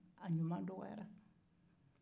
a ɲuman dɔgɔyara